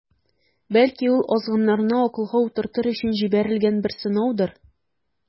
Бәлки, ул азгыннарны акылга утыртыр өчен җибәрелгән бер сынаудыр.